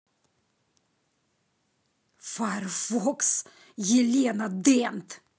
firefox елена дент